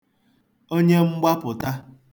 onyemgbapụ̀ta